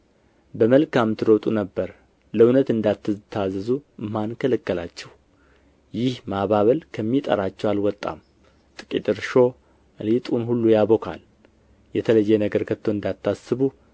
በመልካም ትሮጡ ነበር ለእውነት እንዳትታዘዙ ማን ከለከላችሁ ይህ ማባበል ከሚጠራችሁ አልወጣም ጥቂት እርሾ ሊጡን ሁሉ ያቦካል የተለየ ነገር ከቶ እንዳታስቡ